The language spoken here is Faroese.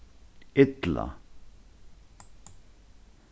illa